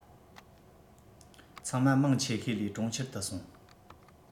ཚང མ མང ཆེ ཤས ལས གྲོང ཁྱེར དུ སོང